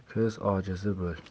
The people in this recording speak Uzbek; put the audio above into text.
ko'z ojizi bo'l